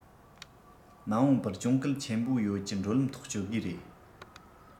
མ འོངས པར གྱོང གུན ཆེན པོ ཡོད ཀྱི འགྲོ ལམ ཐོག སྐྱོད དགོས རེད